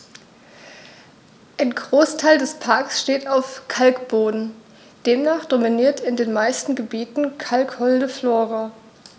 Ein Großteil des Parks steht auf Kalkboden, demnach dominiert in den meisten Gebieten kalkholde Flora.